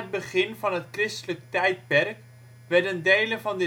begin van het christelijke tijdperk werden delen van